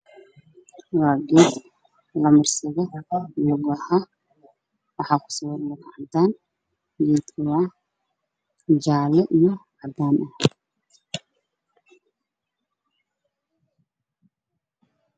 Waa kartoon midabkiis yahay jaalo lug ayaa ku sawiran